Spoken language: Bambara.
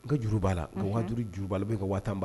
N ka juru b'a la wagadu juru b'a bɛ ka wa tan b' la